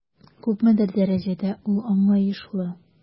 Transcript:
Күпмедер дәрәҗәдә ул аңлаешлы.